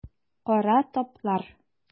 Кара таплар.